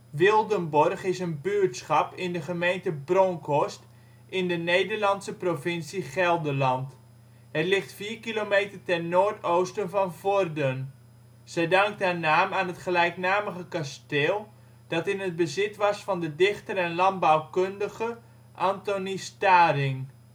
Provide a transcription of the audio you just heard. Wildenborch is een buurtschap in de gemeente Bronckhorst in de Nederlandse provincie Gelderland. Het ligt tussen 4 kilometer ten noordoosten van Vorden. Zij dankt haar naam aan het gelijknamige kasteel, dat in het bezit was van de dichter en landbouwkundige Anthony Staring